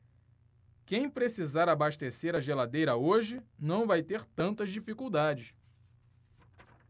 quem precisar abastecer a geladeira hoje não vai ter tantas dificuldades